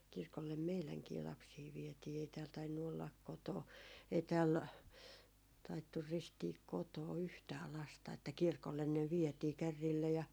kirkolle meidänkin lapsia vietiin ei täällä tainnut olla - ei täällä taidettu ristiä kotona yhtään lasta että kirkolle ne vietiin kärreillä ja